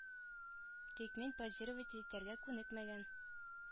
Тик мин позировать итәргә күнекмәгән